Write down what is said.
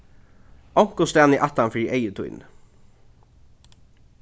onkustaðni aftan fyri eygu tíni